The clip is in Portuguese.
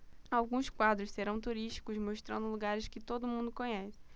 alguns quadros serão turísticos mostrando lugares que todo mundo conhece